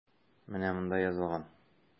Менә монда язылган.